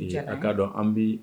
A kaa dɔn an bi